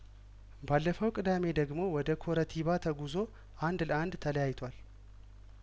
ባለፈው ቅዳሜ ደግሞ ወደ ኮረቲባ ተጉዞ አንድ ለአንድ ተለያይቷል